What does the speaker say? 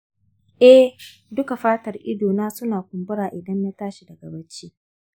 eh, duka fatar idona suna kumbura idan na tashi daga barci.